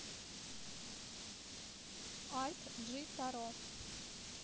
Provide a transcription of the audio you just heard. альт джи таро